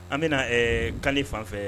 An bɛna kan fanfɛ